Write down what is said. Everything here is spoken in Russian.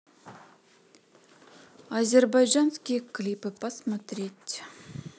азербайджанские клипы посмотреть